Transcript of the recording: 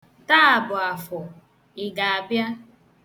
Taa bụ Afọ. Ị ga-abịa?